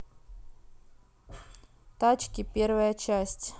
тачки первая часть